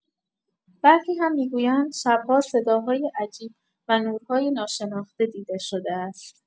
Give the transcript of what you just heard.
برخی هم می‌گویند، شب‌ها صداهای عجیب و نورهای ناشناخته دیده شده است.